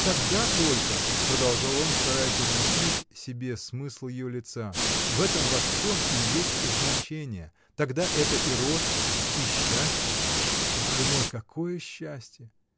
— Тогда только, — продолжал он, стараясь объяснить себе смысл ее лица, — в этом во всем и есть значение, тогда это и роскошь, и счастье. Боже мой, какое счастье!